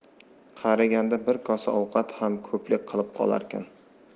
qariganda bir kosa ovqat ham ko'plik qilib qolarkan